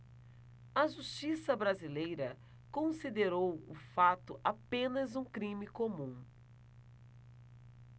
a justiça brasileira considerou o fato apenas um crime comum